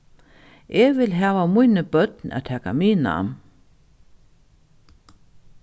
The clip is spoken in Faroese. eg vil hava míni børn at taka miðnám